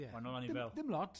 Ie. Waanol anifel. Dim ddim lot.